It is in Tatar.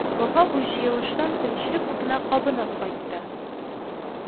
Вафа бу җыелыштан көнчелек утына кабынып кайтты